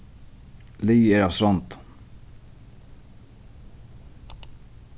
liðið er av strondum